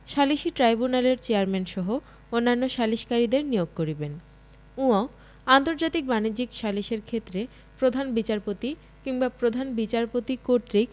সালিসী ট্রাইব্যুনালের চেয়ারম্যানসহ অন্যান্য সালিসকারীদের নিয়োগ করিবেন ঙ আন্তর্জাতিক বাণিজ্যিক সালিসের ক্ষেত্রে প্রধান বিচারপতি কিংবা প্রধান বিচারপতি কর্তৃক